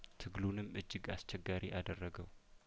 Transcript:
ትግሉንም እጅግ አስቸጋሪ አደረገው